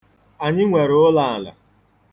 Anyị nwere ụlaala.